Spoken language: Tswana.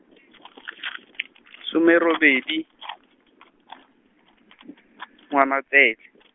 some robedi, Ngwanatsele.